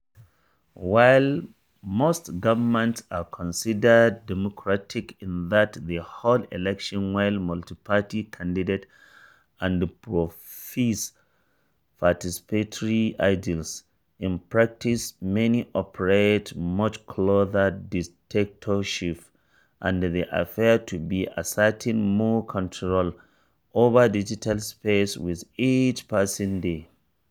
While most governments are considered democratic in that they hold elections with multi-party candidates and profess participatory ideals, in practice, many operate much closer dictatorships — and they appear to be asserting more control over digital space with each passing day.